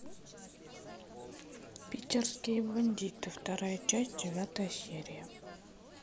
питерские бандиты вторая часть девятая серия